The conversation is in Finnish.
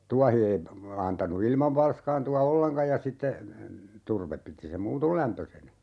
tuohi ei antanut ilman valskaantua ollenkaan ja sitten turve piti sen muuten lämpöisenä